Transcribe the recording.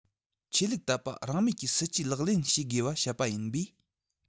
ཆོས ལུགས དད པ རང མོས ཀྱི སྲིད ཇུས ལག ལེན བྱེད དགོས པར བཤད པ ཡིན པས